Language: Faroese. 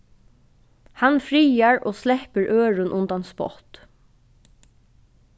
hann friðar og sleppur øðrum undan spott